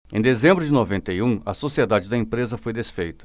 em dezembro de noventa e um a sociedade da empresa foi desfeita